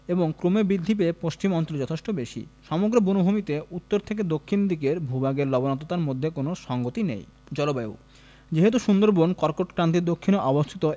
এবং ক্রমে বৃদ্ধি পেয়ে পশ্চিম অঞ্চলে যথেষ্ট বেশি সমগ্র বনভূমিতেই উত্তর থেকে দক্ষিণ দিকের ভূভাগের লবণাক্ততার মধ্যে কোন সঙ্গতি নেই জলবায়ুঃ যেহেতু সুন্দরবন কর্কটক্রান্তির দক্ষিণে অবস্থিত